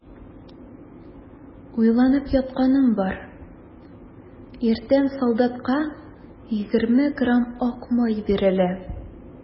Уйлап ятканым бар: иртән солдатка егерме грамм ак май бирелә.